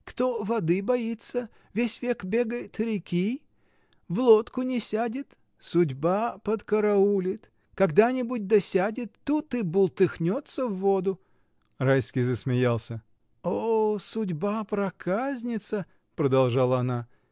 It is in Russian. Кто воды боится, весь век бегает реки, в лодку не сядет, судьба подкараулит: когда-нибудь да сядет, тут и бултыхнется в воду. Райский засмеялся. — О, судьба-проказница! — продолжала она.